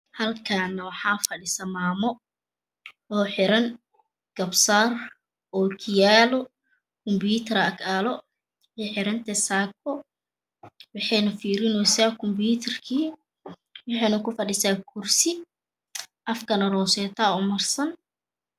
Halkan waxafadhisomamo ooxiran garbasar okiya lkunbiyitar agyaala waxey xiratahay saako waxeyna firinesakubiyitirka waxeyna kufadhisaa kursi Afkana roseta umarsan